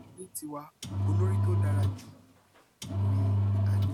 Ní tiwa, olórí tó dára jù ni a ní.